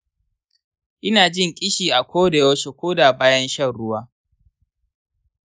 ina jin ƙishi a ko da yaushe koda bayan shan ruwa.